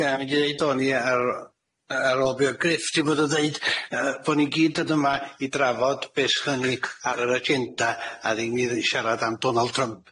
Ie mynd i ddeud o'n i ar yy ar ôl be o'r Griff di bod yn ddeud, yy bo' ni gyd yn yma i drafod be slyni ar yr agenda a ddim i dd- siarad am Donald Trump.